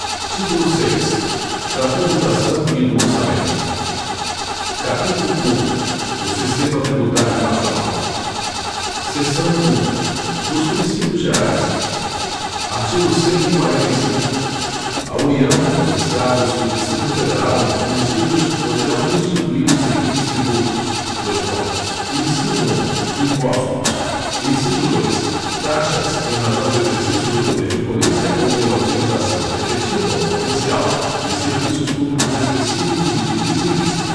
título seis da tributação e do orçamento capítulo um do sistema tributário nacional seção um dos princípios gerais artigo cento e quarenta e cinco a união os estados o distrito federal e os municípios poderão instituir os seguintes tributos dois pontos inciso um impostos inciso dois taxas em razão do exercício do poder de polícia ou pela utilização efetiva ou potencial de serviços públicos específicos e divisíveis